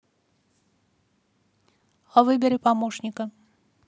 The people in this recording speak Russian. выбери помощника